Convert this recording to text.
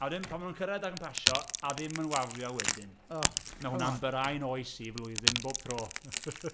A wedyn, pan maen nhw'n cyrraedd ac yn pasio, a ddim yn wafio wedyn... o! ...Ma' hwnna'n byrhau'n oes i flwyddyn, bob tro.